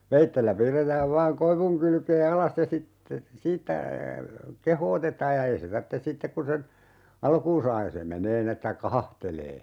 veitsellä piirretään vain koivun kylkeen alas ja sitten siitä kehotetaan ja ei se tarvitse sitten kun sen alkuun saa ja se menee niin että kahahtelee